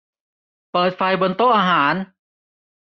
เปิดไฟบนโต๊ะอาหาร